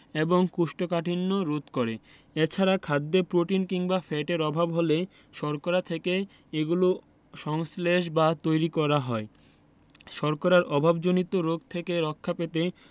এবং কোষ্ঠকাঠিন্য রোধ করে এছাড়া খাদ্যে প্রোটিন কিংবা ফ্যাটের অভাব হলে শর্করা থেকে এগুলো সংশ্লেষ বা তৈরী করা হয় শর্করার অভাবজনিত রোগ থেকে রক্ষা পেতে